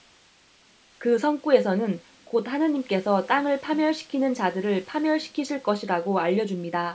그 성구에서는 곧 하느님께서 땅을 파멸시키는 자들을 파멸시키실 것이라고 알려 줍니다